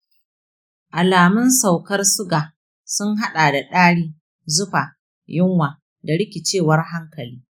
alamun saukar suga sun haɗa da ɗari, zufa, yunwa da rikicewar hankali.